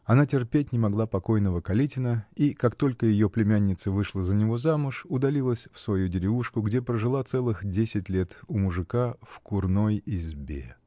Она терпеть не могла покойного Калитина и, как только ее племянница вышла за него замуж, удалилась в свою деревушку, где прожила целых десять лет у мужика в курной избе.